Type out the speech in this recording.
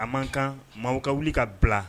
A man kan maa ka wuli ka bila